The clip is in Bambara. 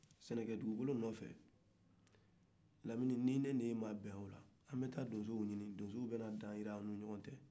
sɛnɛkɛdugukolo nɔfɛ lamini ni ne ni e ma bɛn o la an bɛ taa donsow ɲinin donsow bɛ na da yir'an ni ɲɔgɔcɛ